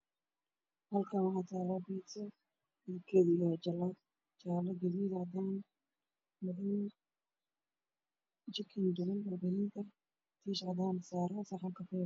Meeshaan waxaa yaalo piiso midabkeedana waa jaalo